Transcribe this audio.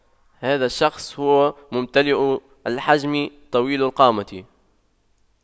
هذا الشخص هو ممتلئ الحجم طويل القامة